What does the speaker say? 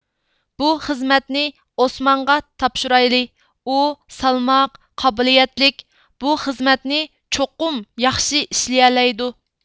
بۇ خىزمەتنى ئوسمانغا تاپشۇرايلى ئۇ سالماق قابىلىيەتلىك بۇ خىزمەتنى چوقۇم ياخشى ئىشلىيەلەيدۇ